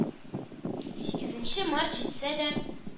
Сигезенче март җитсә дә,